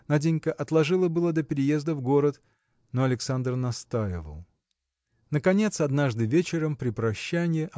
Наденька отложила было до переезда в город, но Александр настаивал. Наконец однажды вечером при прощанье